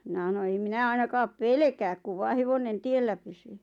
minä sanoin en minä ainakaan pelkää kun vain hevonen tiellä pysyy